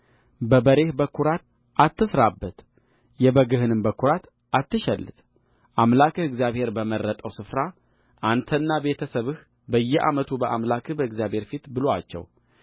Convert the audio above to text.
በበሬህ በኵራት አትሥራበት የበግህንም በኵራት አትሸልት አምላክህ እግዚአብሔር በመረጠው ስፍራ አንተና ቤተ ሰብህ በየዓመቱ በአምላክህ በእግዚአብሔር ፊት ብሉአቸው